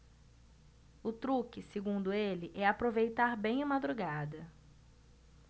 o truque segundo ele é aproveitar bem a madrugada